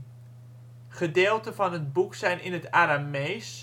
Gedeelten van het boek zijn in het Aramees